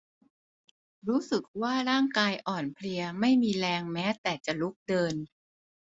รู้สึกว่าร่างกายอ่อนเพลียไม่มีแรงแม้แต่จะลุกเดิน